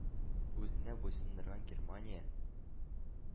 Үзенә буйсындырган германия